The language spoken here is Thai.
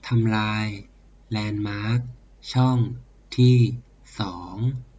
ทำลายแลนด์มาร์คช่องที่สอง